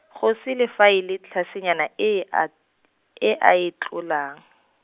go se le fa e le tlhasenyana e a t-, e a e tlolang.